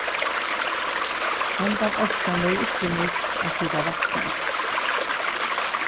hendan orkan verður ikki nýtt at hita vatnið